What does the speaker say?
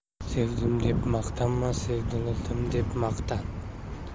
sevdim deb maqtanma sevildim deb maqtan